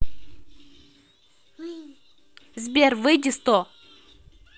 сбер выйди сто